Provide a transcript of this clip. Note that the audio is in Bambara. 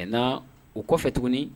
Nka o kɔfɛ tuguni